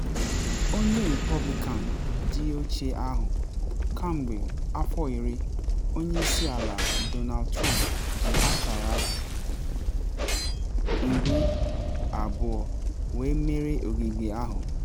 Onye Repọblikan ji oche ahụ kemgbe afọ iri, Onye Isi Ala Donald Trump ji akara 20 wee merie ogige ahụ.